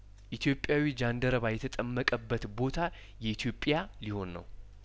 ኢትዮጵያዊው ጃን ደረባ የተጠመቀበት ቦታ የኢትዮጵያ ሊሆን ነው